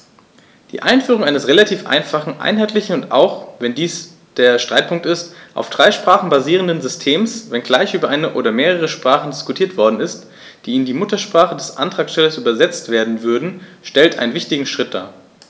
Die Einführung eines relativ einfachen, einheitlichen und - auch wenn dies der Streitpunkt ist - auf drei Sprachen basierenden Systems, wenngleich über eine oder mehrere Sprachen diskutiert worden ist, die in die Muttersprache des Antragstellers übersetzt werden würden, stellt einen wichtigen Schritt dar.